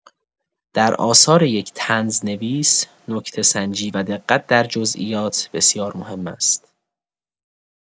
در آثار یک طنزنویس، نکته‌سنجی و دقت در جزئیات بسیار مهم است.